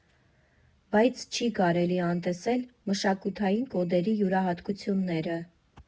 Բայց չի կարելի անտեսել մշակութային կոդերի յուրահատկությունները։